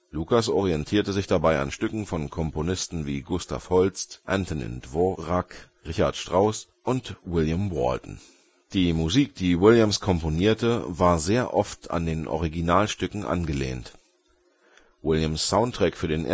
Lucas orientierte sich dabei an Stücken von Komponisten wie Gustav Holst, Antonín Dvořák, Richard Strauss und William Walton. Die Musik, die Williams komponierte, war oft sehr an den Originalstücken angelehnt. Williams Soundtrack für den